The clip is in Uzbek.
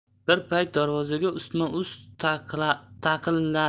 bir payt darvoza ustma ust taqilladi